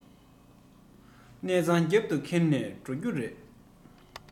གནས ཚང རྒྱབ ཏུ ཁྱེར ནས འགྲོ རྒྱུ རེད